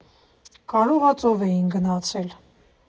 Կարո՞ղ ա ծով էիր գնացել։